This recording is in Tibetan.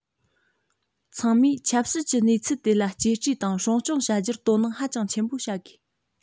ཚང མས ཆབ སྲིད ཀྱི གནས ཚུལ དེ ལ གཅེས སྤྲས དང སྲུང སྐྱོང བྱ རྒྱུར དོ སྣང ཧ ཅང ཆེན པོ བྱ དགོས